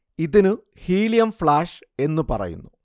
ഇതിനു helium flash എന്നു പറയുന്നു